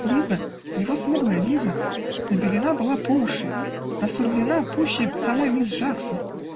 Лиза, его смуглая Лиза, набелена была по уши, насурьмлена пуще самой мисс Жаксон